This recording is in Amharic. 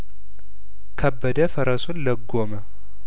ከበደ ፈረሱን ለጐመ